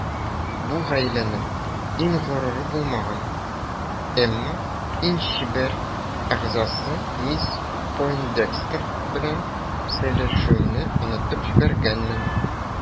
Бу гаиләнең иң горуры булмаган, әмма иң чибәр әгъзасы мисс Пойндекстер белән сөйләшүемне онытып җибәргәнмен.